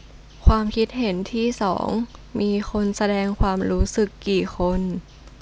ความคิดเห็นที่สองมีคนแสดงความรู้สึกกี่คน